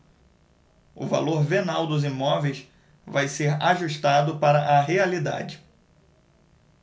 o valor venal dos imóveis vai ser ajustado para a realidade